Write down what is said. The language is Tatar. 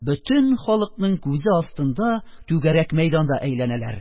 Бөтен халыкның күзе астында, түгәрәк мәйданда әйләнәләр.